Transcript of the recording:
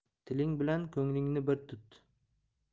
tiling bilan ko'nglingni bir tut